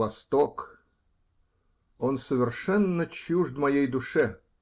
-- Восток? Он совершенно чужд моей душе.